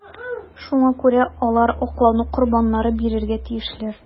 Шуңа күрә алар аклану корбаннары бирергә тиешләр.